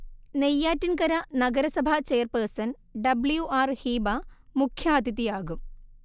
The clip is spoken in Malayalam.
നെയ്യാറ്റിൻകര നഗരസഭ ചെയർപേഴ്സൺ ഡബ്ള്യു ആർ ഹീബ മുഖ്യാതിഥിയാകും